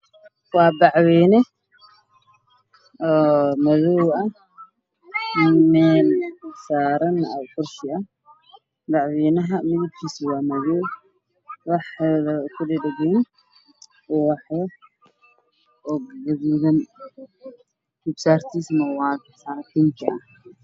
Waa bacwayne madow ah meel saaran kursi ah waxaa kudhagan ubaxyo gaduud, garbasaartiisa waa gariije.